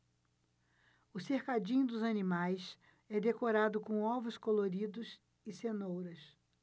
o cercadinho dos animais é decorado com ovos coloridos e cenouras